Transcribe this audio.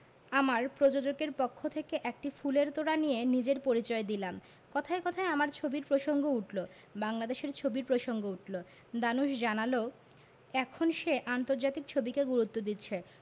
আমার প্রযোজকের পক্ষ থেকে একটি ফুলের তোড়া দিয়ে নিজের পরিচয় দিলাম কথায় কথায় আমার ছবির প্রসঙ্গ উঠলো বাংলাদেশের ছবির প্রসঙ্গ উঠলো ধানুশ জানালো এখন সে আন্তর্জাতিক ছবিকে গুরুত্ব দিচ্ছে